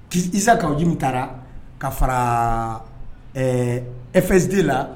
K' isa kaawjimi taara ka fara ɛɛ efize la